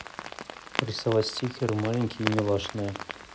рисовать стикеры маленькие и милашные